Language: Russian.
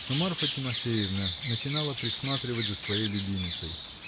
но Марфа Тимофеевна начинала присматривать за своей любимицей.